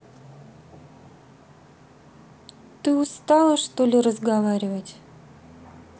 ты устала что ли разговаривать